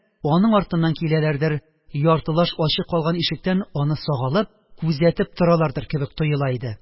Аның артыннан киләләрдер, яртылаш ачык калган ишектән аны сагалап-күзәтеп торалардыр кебек тоела иде.